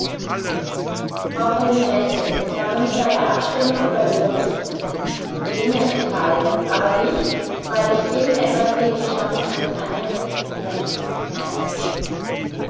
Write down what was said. Frau Präsidentin, ich habe mich bei der Abstimmung über den Bericht Lehne enthalten, aber nicht, weil ich irgend etwas gegen die Schaffung eines einheitlichen Patentschutzes einzuwenden habe.